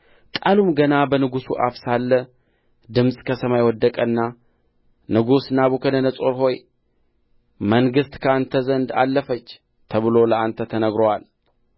ቃሉም ገና በንጉሡ አፍ ሳለ ድምፅ ከሰማይ ወደቀና ንጉሥ ናቡከደነፆር ሆይ መንግሥት ከአንተ ዘንድ አለፈች ተብሎ ለአንተ ተነግሮአል